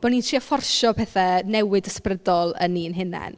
Bo' ni'n trio fforsio pethe... newid ysbrydol yn ni'n hunain.